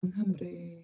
Yng Nghymru?